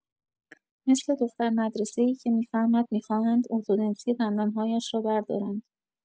مثل دخترمدرسه‌ای که می‌فهمد می‌خواهند ارتودنسی دندان‌هایش را بردارند.